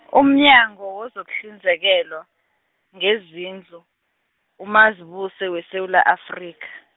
umnyango wokuhlinzekelwa, ngezindlu, uMazibuse weSewula Afrika.